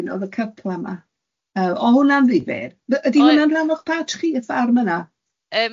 A wedyn oedd y cypla 'ma, yy o'dd hwnna'n ddifyr. Yy ydi hwnna'n rhan o'ch patsh chi, y ffarm yna?